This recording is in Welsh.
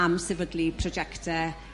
am sefydlu proiecte